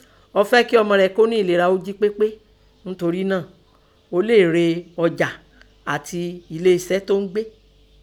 Ọ́ fẹ́ kí ọmọ rẹ̀ nẹ́ ẹ̀lera kọ́ jí pépé, ńtorí náà, ọ́ lè re ọjà àti elé ẹṣẹ́ tó ń gbé.